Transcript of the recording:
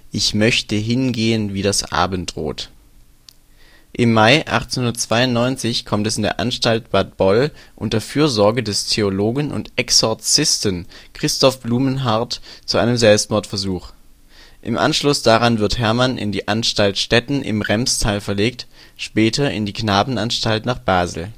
ich möchte hingehen wie das Abendrot... ", Brief vom 20. März 1892). Im Mai 1892 kommt es in der Anstalt Bad Boll unter Fürsorge des Theologen und Exorzisten Christoph Blumhardt zu einem Selbstmordversuch. Im Anschluss daran wird Hermann in die Anstalt Stetten im Remstal verlegt, später in die Knabenanstalt nach Basel